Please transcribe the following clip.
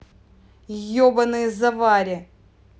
ебаный завари